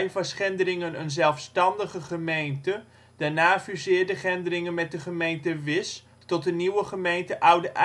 was Gendringen een zelfstandige gemeente, daarna fuseerde Gendringen met de gemeente Wisch tot de nieuwe gemeente Oude IJsselstreek